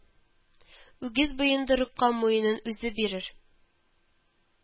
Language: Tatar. Үгез боендырыкка муенын үзе бирер